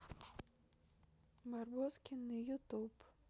барбоскины ютуб